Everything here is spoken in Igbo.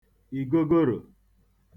ìgogorò